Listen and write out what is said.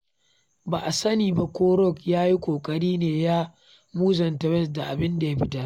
Ba a sani ba ko Rock ya yi ƙoƙari ne ya muzanta West da abin da ya fitar.